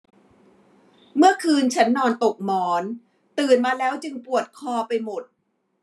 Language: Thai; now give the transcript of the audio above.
เมื่อคืนฉันนอนตกหมอนตื่นมาแล้วจึงปวดคอไปหมด